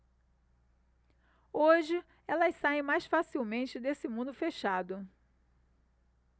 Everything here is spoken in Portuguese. hoje elas saem mais facilmente desse mundo fechado